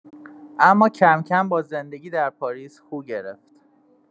اما کم‌کم با زندگی در پاریس خو گرفت.